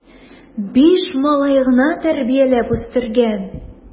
Биш малай гына тәрбияләп үстергән!